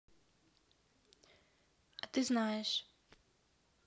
а ты знаешь